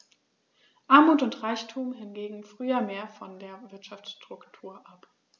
Armut und Reichtum hingen früher mehr von der Wirtschaftsstruktur ab.